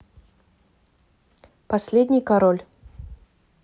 последний король